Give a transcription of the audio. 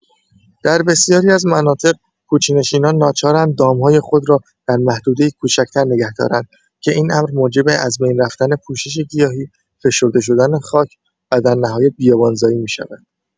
در بسیاری از مناطق، کوچ‌نشینان ناچارند دام‌های خود را در محدوده‌ای کوچک‌تر نگه دارند که این امر موجب از بین رفتن پوشش گیاهی، فشرده شدن خاک و در نهایت بیابان‌زایی می‌شود.